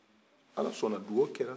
ala sɔnan dugawu kɛra